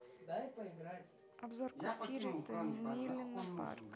обзор квартиры томилино парк